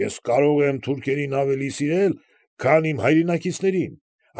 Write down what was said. Ես կարող եմ թուրքերին ավելի սիրել, քան իմ հայրենակիցներին։